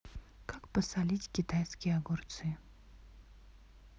как посолить китайские огурцы